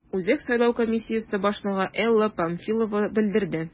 Үзәк сайлау комиссиясе башлыгы Элла Памфилова белдерде: